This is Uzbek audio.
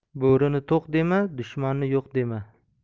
bo'rini to'q dema dushmanni yo'q dema